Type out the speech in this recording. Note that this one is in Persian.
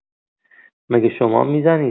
مگه شمام می‌زنید؟